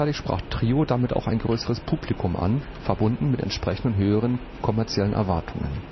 sprach Trio damit auch ein größeres Publikum an – verbunden mit entsprechenden höheren kommerziellen Erwartungen